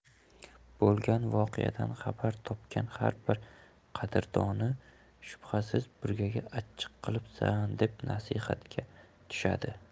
bo'lgan voqeadan xabar topgan har bir qadrdoni shubhasiz burgaga achchiq qilibsan deb nasihatga tushadi